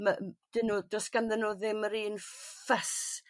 ma'... dyn nw... do's ganddyn nw ddim yr un ffys